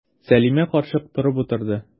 Сәлимә карчык торып утырды.